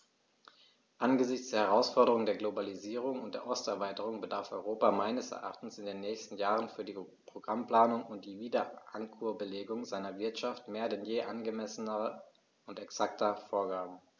Angesichts der Herausforderung der Globalisierung und der Osterweiterung bedarf Europa meines Erachtens in den nächsten Jahren für die Programmplanung und die Wiederankurbelung seiner Wirtschaft mehr denn je angemessener und exakter Vorgaben.